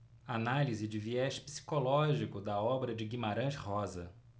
análise de viés psicológico da obra de guimarães rosa